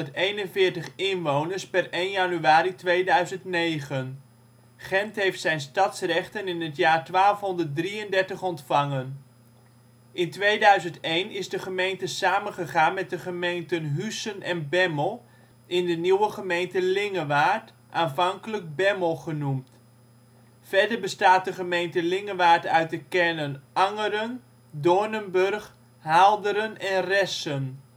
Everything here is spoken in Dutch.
7141 inwoners (per 1 januari 2009). Gendt heeft zijn stadsrechten in het jaar 1233 ontvangen. In 2001 is de gemeente samengegaan met de gemeenten Huissen en Bemmel in de nieuwe gemeente Lingewaard (aanvankelijk Bemmel genoemd). Verder bestaat de gemeente Lingewaard uit de kernen Angeren, Doornenburg, Haalderen en Ressen